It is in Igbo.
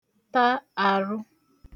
ta arụ